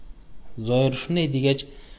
zoir shunday degach